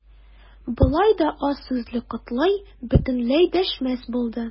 Болай да аз сүзле Котлый бөтенләй дәшмәс булды.